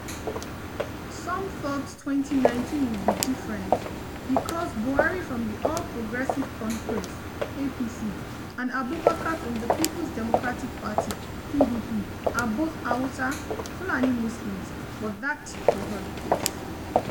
Some thought 2019 would be different because Buhari from the All Progressive Congress (APC) and Abubakar from the People's Democratic Party (PDP) are both Hausa, Fulani Muslims, but that was not the case.